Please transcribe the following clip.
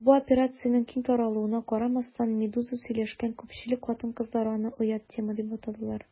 Бу операциянең киң таралуына карамастан, «Медуза» сөйләшкән күпчелек хатын-кызлар аны «оят тема» дип атадылар.